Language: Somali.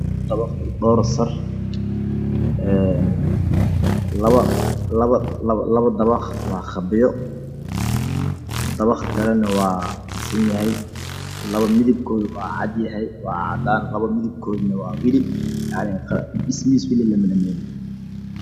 Dapaq iyo dhawor sar lapa dabaq waa qabyo dabqa kalene wuu dhisanyahay lapo midapkoodu waa cadyahy lapna midkoodu waa wali yacni wali dhismihiisa lama dhameenin